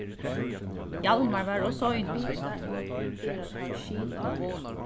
hjalmar var ov seinur